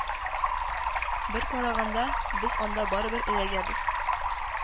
Бер караганда, без анда барыбер эләгәбез.